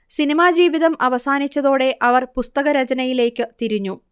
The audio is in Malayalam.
സിനിമാ ജീവിതം അവസാനിച്ചതോടെ അവർ പുസ്തക രചനയിലേക്കു തിരിഞ്ഞു